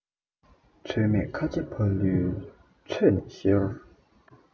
ཚོད མེད ཁ ཆེ ཕ ལུའི ཚོད ནས ཤོར